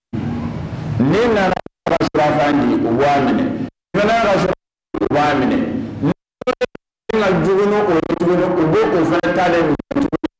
Miniyan na mɔgɔ ka dumuni bɛ kun fɛ ntalen